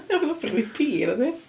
Dio'm yn stopio chdi pî, nadi?